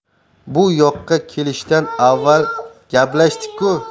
bu yoqqa kelishdan avval gaplashdik ku